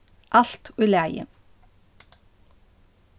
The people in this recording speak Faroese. alt í lagi